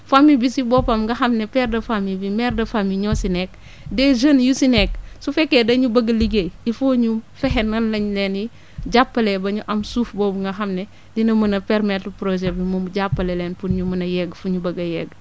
famille bi si boppam nga xam ne père de famille mère de famille ñoo si nekk des jeunes yu si nekk su fekkee dañu bëgg a liggéey il faut ñu fexe nan lañ leen ni jàppalee ba ñu am suuf boobu nga xam ne dina mën a permettre projet bi mu jàppale leen pour ñu mën a yegg fu ñu bëgg a yegg